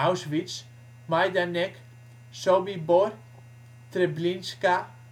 Auschwitz, Majdanek, Sobibór, Treblinka